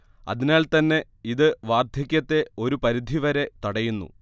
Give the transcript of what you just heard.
അതിനാൽ തന്നെ ഇത് വാർധക്യത്തെ ഒരു പരിധിവരെ തടയുന്നു